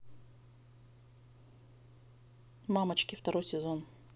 мамочки второй сезон